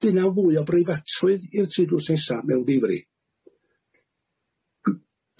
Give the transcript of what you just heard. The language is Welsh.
Dyna fwy o breifatrwydd i'r tri drws nesa mewn difri.